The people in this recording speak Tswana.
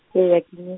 e ya ke ne.